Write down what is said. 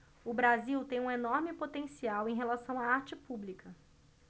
o brasil tem um enorme potencial em relação à arte pública